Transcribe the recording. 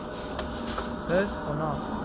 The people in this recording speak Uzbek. qiz qo'noq